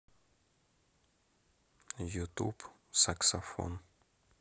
ютуб саксофон